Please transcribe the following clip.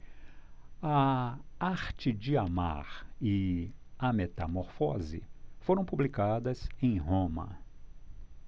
a arte de amar e a metamorfose foram publicadas em roma